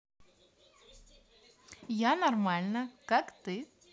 я нормально как ты